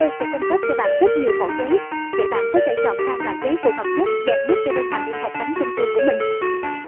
chúng tôi sẽ cung cấp cho bạn rất nhiều mẫu giấy để bạn có thể chọn ra loại giấy phù hợp nhất đẹp nhất cho đơn hàng in hộp bánh trung thu của mình